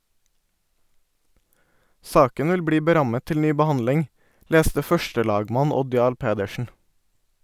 Saken vil bli berammet til ny behandling, leste førstelagmann Odd Jarl Pedersen.